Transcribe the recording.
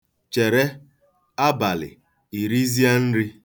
Chere, abalị i rizie nri.